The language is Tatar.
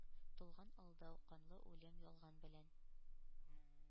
Тулган алдау, канлы үлем, ялган белән!